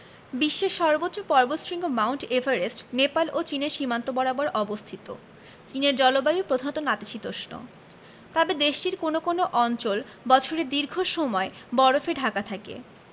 বিশ্বের সর্বোচ্চ পর্বতশৃঙ্গ মাউন্ট এভারেস্ট নেপাল ও চীনের সীমান্ত বরাবর অবস্থিত চীনের জলবায়ু প্রধানত নাতিশীতোষ্ণ তবে দেশটির কোনো কোনো অঞ্চল বছরের দীর্ঘ সময় বরফে ঢাকা থাকে